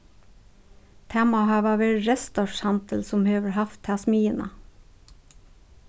tað má hava verið restorffs handil sum hevur havt ta smiðjuna